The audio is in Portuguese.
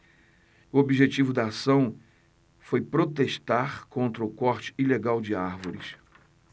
o objetivo da ação foi protestar contra o corte ilegal de árvores